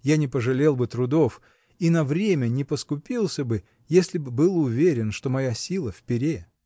Я не пожалел бы трудов и на время не поскупился бы, если б был уверен, что моя сила — в пере!